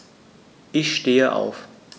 Ich stehe auf.